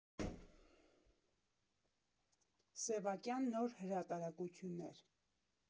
Սևակյան նոր հրատարակություններ։